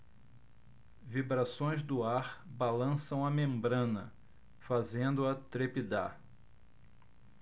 vibrações do ar balançam a membrana fazendo-a trepidar